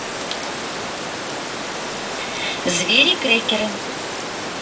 звери крекеры